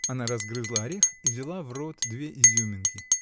Она разгрызла орех и взяла в рот две изюминки.